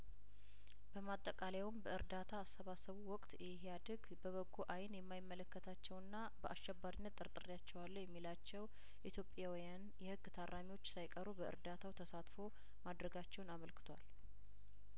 በማጠቃለያውም በእርዳታ አሰባሰቡ ወቅት ኢህአዲግ በበጐ አይን የማይመለከታቸውና በአሸባሪነት ጠርጥሬያቸዋለሁ የሚላቸው ኢትዮጵያውያን የህግ ታራሚዎች ሳይቀሩ በእርዳታው ተሳትፎ ማድረጋቸውን አመልክቷል